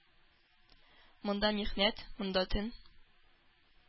Монда михнәт, монда төн,